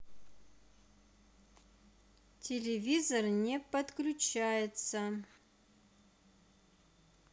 телевизор не подключается